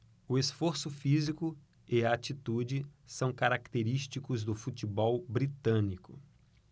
o esforço físico e a atitude são característicos do futebol britânico